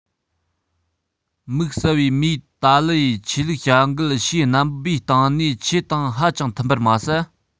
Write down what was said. མིག གསལ བའི མིས ཏཱ ལའི ཡི ཆོས ལུགས བྱ འགུལ ཕྱིའི རྣམ པའི སྟེང ནས ཆོས དང ཧ ཅང མི མཐུན པར མ ཟད